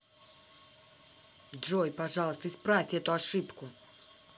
джой пожалуйста исправь эту ошибку